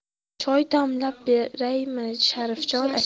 choy damlab beraymi sharifjon aka